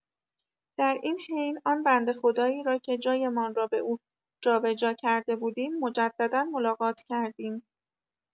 در این حین آن بنده خدایی را که جایمان را به او جابجا کرده بودیم مجددا ملاقات کردیم.